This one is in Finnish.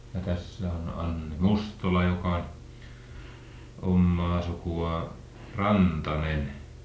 ja tässä on Anni Mustola joka on omaa sukuaan Rantanen